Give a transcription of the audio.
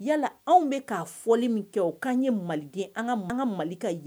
Yala anw bɛ'a fɔli min kɛ o k'an ye maliden an ka mankan ka mali ka